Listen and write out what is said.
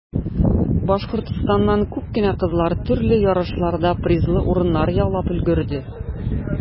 Башкортстаннан күп кенә кызлар төрле ярышларда призлы урыннар яулап өлгерде.